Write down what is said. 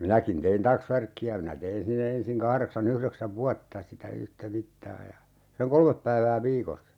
minäkin tein taksvärkkiä minä tein sinne ensin kahdeksan yhdeksän vuotta sitä yhtä mittaa ja sen kolme päivää viikossa